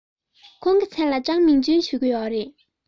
ཁོང གི མཚན ལ ཀྲང མིང ཅུན ཞུ གི ཡོད རེད